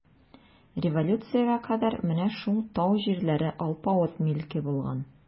Революциягә кадәр менә шул тау җирләре алпавыт милке булган.